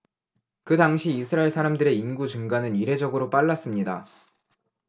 그 당시 이스라엘 사람들의 인구 증가는 이례적으로 빨랐습니다